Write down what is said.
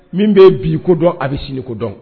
Min bɛ bi kodɔn a bɛ sini kodɔn